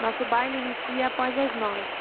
nosso baile inicia após as nove